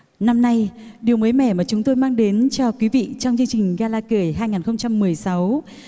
năm nay điều mới mẻ mà chúng tôi mang đến cho quý vị trong chương trình ga la cười hai ngàn không trăm mười sáu